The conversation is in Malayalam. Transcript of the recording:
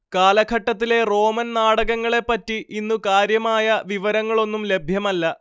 കാലഘട്ടത്തിലെ റോമൻ നാടകങ്ങളെപ്പറ്റി ഇന്നു കാര്യമായ വിവരങ്ങളൊന്നും ലഭ്യമല്ല